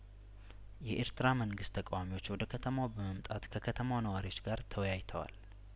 የኤርትራ መግንስት ተቃዋሚዎች ወደ ከተማዋ በመምጣት ከከተማዋ ነዋሪዎች ጋር ተወያይተዋል